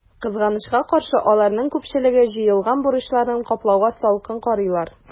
Кызганычка каршы, аларның күпчелеге җыелган бурычларын каплауга салкын карыйлар.